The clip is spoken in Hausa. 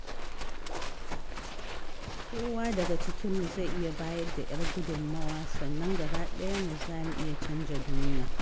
Kowa daga cikinmu zai iya bayar da 'yar gudunmawa sannan gaba ɗayanmu za mu iya canja duniya.